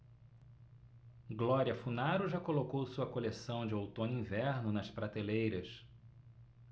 glória funaro já colocou sua coleção de outono-inverno nas prateleiras